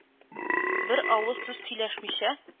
Бер авыз сүз сөйләшмичә,